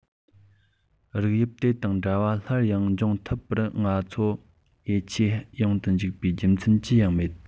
རིགས དབྱིབས དེ དང འདྲ བ སླར ཡང འབྱུང ཐུབ པར ང ཚོར ཡིད ཆེས ཡོད དུ འཇུག པའི རྒྱུ མཚན ཅི ཡང མེད